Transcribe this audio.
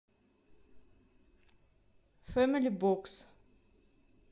family box